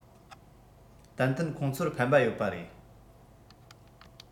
ཏན ཏན ཁོང ཚོར ཕན པ ཡོད པ རེད